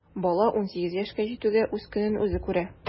Бала унсигез яшькә җитүгә үз көнен үзе күрә.